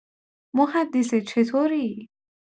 محدثه چطوری؟